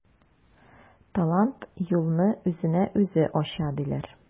Талант юлны үзенә үзе ача диләр.